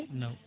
nawa